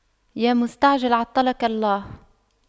يا مستعجل عطلك الله